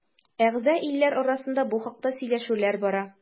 Әгъза илләр арасында бу хакта сөйләшүләр бара.